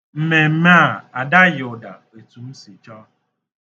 Mmemme a adaghị ụda etu m si chọo.